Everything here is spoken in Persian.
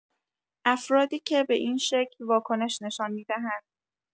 افرادی که به این شکل واکنش نشان می‌دهند.